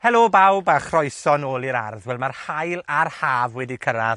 Helo bawb, a chroeso nôl i'r ardd. Wel ma'r haul a'r haf wedi cyrradd